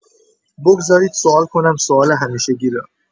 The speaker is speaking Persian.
بگذارید سوال کنم سوال همیشگی را.